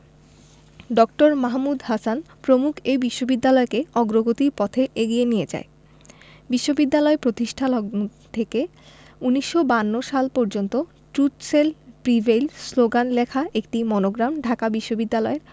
ড. মাহমুদ হাসান প্রমুখ এ বিশ্ববিদ্যালয়কে অগ্রগতির পথে এগিয়ে নিয়ে যান বিশ্ববিদ্যালয় প্রতিষ্ঠালগ্ন থেকে ১৯৫২ সাল পর্যন্ত ট্রুত শেল প্রিভেইল শ্লোগান লেখা একটি মনোগ্রাম ঢাকা বিশ্ববিদ্যালয়